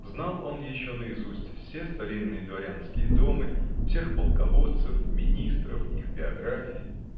Знал он еще наизусть все старинные дворянские домы, всех полководцев, министров, их биографии